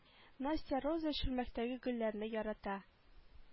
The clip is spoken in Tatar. Настя роза чүлмәктәге гөлләрне ярата